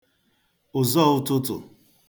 ụ̀zọ ụ̄tụ̄tụ̀